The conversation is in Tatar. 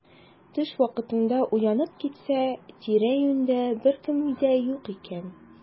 Төш вакытында уянып китсә, тирә-юньдә беркем дә юк икән.